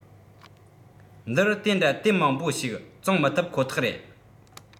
འདིར དེ འདྲ དེབ མང པོ ཞིག བཙོང མི ཐུབ ཁོ ཐག རེད